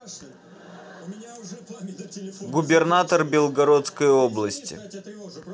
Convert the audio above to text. губернатор белгородской области